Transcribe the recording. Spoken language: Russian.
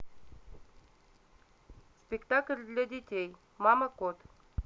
спектакль для детей мама кот